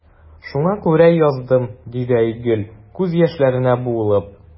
Шуңа күрә яздым,– диде Айгөл, күз яшьләренә буылып.